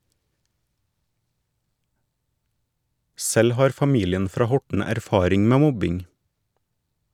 Selv har familien fra Horten erfaring med mobbing.